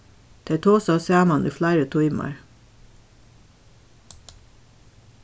tey tosaðu saman í fleiri tímar